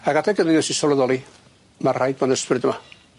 Ag adeg ynny nes i sylweddoli ma' raid bo' 'na ysbryd yma.